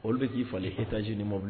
Olu de ji falenli hz ni mobili